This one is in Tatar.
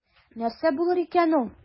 Нәрсә булыр икән ул?